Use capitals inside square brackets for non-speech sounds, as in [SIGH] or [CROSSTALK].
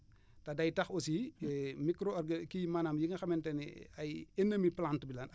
te day tax aussi [HESITATION] micro orga kii maanaam yi nga xamante ne ay ennemis plante bi lañ